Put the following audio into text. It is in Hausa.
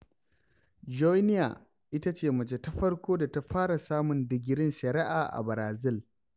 Joenia ita ce mace ta farko da ta fara samun digirin Shari'a a Barazil.